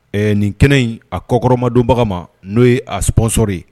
Ɛ nin kɛnɛ in a kɔkɔrɔma donbaga ma n'o ye apso ye